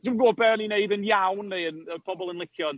Dwi'm yn gwbod be o'n i'n wneud yn iawn, neu yn... oedd pobl yn licio.